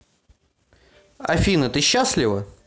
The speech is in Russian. афина ты счастлива